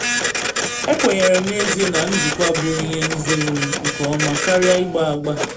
“Ekwenyere n’ezie na njikwa bụ ihe ziri m nke ọma, karịa ịgba agba.